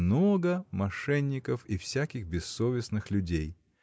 много мошенников и всяких бессовестных людей.